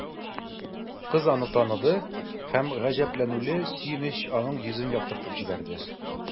Кыз аны таныды һәм гаҗәпләнүле сөенеч аның йөзен яктыртып җибәрде.